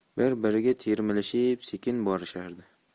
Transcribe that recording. bir biriga termilishib sekin borishardi